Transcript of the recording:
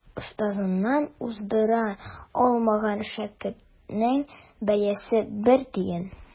Остазыннан уздыра алмаган шәкертнең бәясе бер тиен.